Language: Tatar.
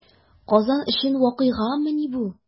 Казан өчен вакыйгамыни бу?